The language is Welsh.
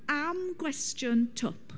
Am gwestiwn twp.